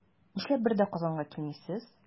Нишләп бер дә Казанга килмисез?